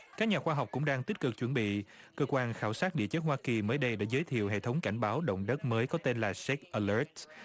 các nhà khoa học cũng đang tích cực chuẩn bị cơ quan khảo sát địa chất hoa kỳ mới đây đã giới thiệu hệ thống cảnh báo động đất mới có tên là sếch ơ lớt